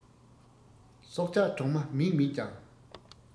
སྲོག ཆགས གྲོག མ མིག མེད ཀྱང